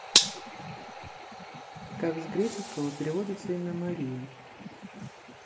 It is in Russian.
как с греческого переводится имя мария